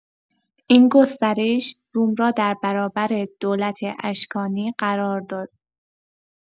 این گسترش، روم را در برابر دولت اشکانی قرار داد.